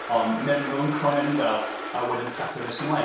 Ond memrwn, croen anifail a wedyn papur nes ymlaen.